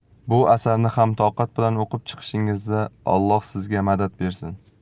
bu asarni ham toqat bilan o'qib chiqishingizda olloh sizga madad bersin